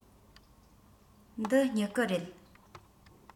འདི སྨྱུ གུ རེད